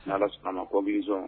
N'a a ma kɔbilisɔn